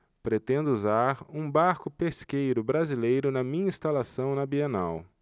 pretendo usar um barco pesqueiro brasileiro na minha instalação na bienal